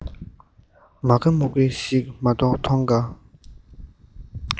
མ གེ མོག གེ ཞིག མ གཏོགས མཐོང དཀའ